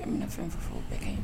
E min na fɛn fɛ fɔ'o bɛɛ ka ye